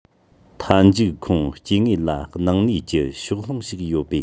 མཐའ མཇུག ཁོང སྐྱེ དངོས ལ ནང གནས ཀྱི ཕྱོགས ལྷུང ཞིག ཡོད པས